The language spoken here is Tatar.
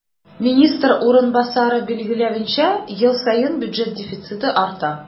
Министр урынбасары билгеләвенчә, ел саен бюджет дефициты арта.